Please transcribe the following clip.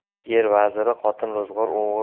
er vaziri xotin